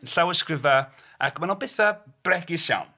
Llawysgrifau ac mae nhw'n bethau bregus iawn.